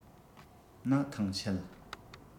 ན ཐང ཆད